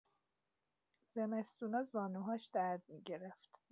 زمستونا زانوهاش درد می‌گرفت.